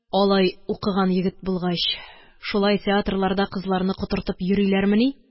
Алай укыган егет булгач, шулай театрларда кызларны котыртып йөриләрмени?